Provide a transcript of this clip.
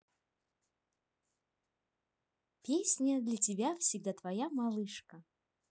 песня для тебя всегда твоя малышка